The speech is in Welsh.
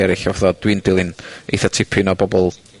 eryll, fatha, dwi'n dilyn itha tipyn o bobol